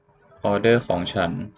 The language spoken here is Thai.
ออเดอร์ของฉัน